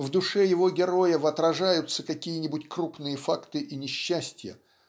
в душе его героев отражаются какие-нибудь крупные факты и несчастья